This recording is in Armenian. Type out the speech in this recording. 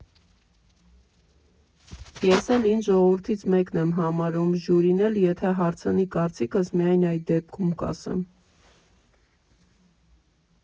Ես էլ ինձ ժողովրդից մեկն եմ համարում, ժյուրին էլ եթե հարցնի կարծիքս, միայն այդ դեպքում կասեմ։